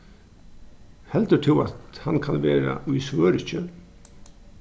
heldur tú at hann kann vera í svøríki